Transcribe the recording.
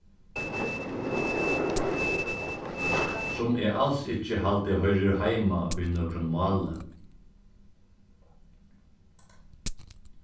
sum eg als ikki haldi hoyrir heima í nøkrum máli